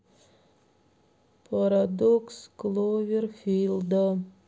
парадокс кловерфилда